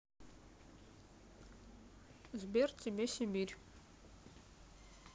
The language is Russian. сбер тебе сибирь